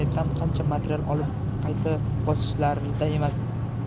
internetdan qancha material olib qayta bosishlarida emas